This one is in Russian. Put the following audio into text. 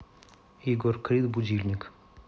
егор крид будильник